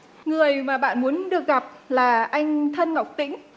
người mà bạn muốn được gặp là anh thân ngọc tĩnh